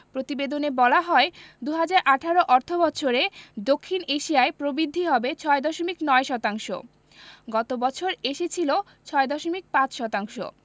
প্রতিবেদনে বলা হয় ২০১৮ অর্থবছরে দক্ষিণ এশিয়ায় প্রবৃদ্ধি হবে ৬.৯ শতাংশ গত বছর এসেছিল ৬.৫ শতাংশ